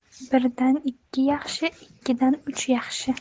birdan ikki yaxshi ikkidan uch yaxshi